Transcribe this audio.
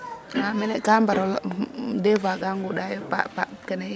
A mene ka mbaral o dés fois ga nguuɗaayo pa kene yiin ?